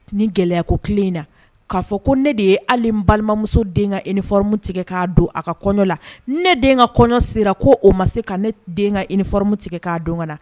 Ni gɛlɛya ko tile in na k'a fɔ ko ne de ye hali balimamuso den ka i ni ɲɛfɔmu tigɛ k'a don a ka kɔɲɔ la ne den ka kɔɲɔ sera ko o ma se ka ne den ka i nimu tigɛ k'a don ka na